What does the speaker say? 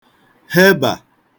hebà